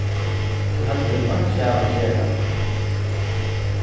tú heldur meg einki hava at gera